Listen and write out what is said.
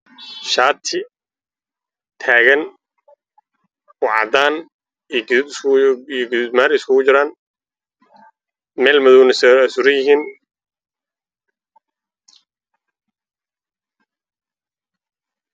Waa shaati midabkiisii yahay caddaan maariin darbi madow suran